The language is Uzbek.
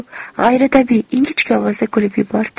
g'ayritabiiy ingichka ovozda kulib yubordi